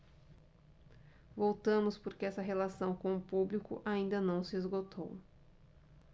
voltamos porque essa relação com o público ainda não se esgotou